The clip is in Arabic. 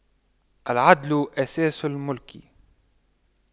العدل أساس الْمُلْك